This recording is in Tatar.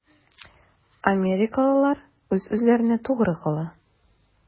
Америкалылар үз-үзләренә тугры кала.